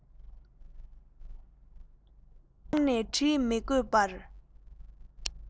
མངགས ནས འདྲི མི དགོས པར